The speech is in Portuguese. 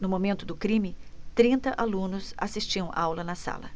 no momento do crime trinta alunos assistiam aula na sala